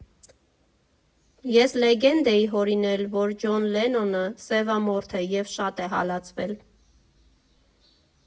«Ես լեգենդ էի հորինել, որ Ջոն Լենոնը սևամորթ է և շատ է հալածվել։